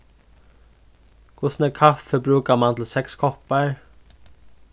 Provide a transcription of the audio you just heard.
hvussu nógv kaffi brúkar mann til seks koppar